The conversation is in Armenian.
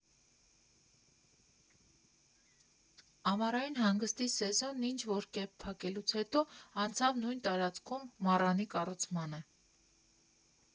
Ամառային հանգստի սեզոնն ինչ֊որ կերպ փակելուց հետո անցավ նույն տարածքում Մառանի կառուցմանը։